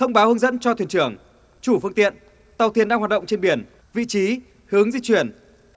thông báo hướng dẫn cho thuyền trưởng chủ phương tiện tàu thuyền đang hoạt động trên biển vị trí hướng di chuyển